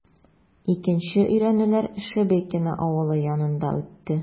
Икенче өйрәнүләр Шебекиио авылы янында үтте.